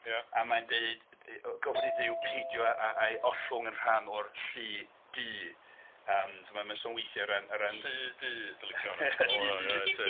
Ia... A mae'n deud... yy gofyn i Dduw peidio a- a'i ollwng yn rhan o'r "llu du" yym so mae'n sôn weithiau o ran... o ran... 'Llu du' dwi'n licio hwnna ... Llu du.